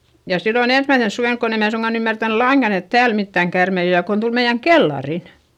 ja silloin ensimmäisenä suvena kun en minä suinkaan ymmärtänyt lainkaan että täällä mitään käärmeitä on ja kun tuli meidän kellariin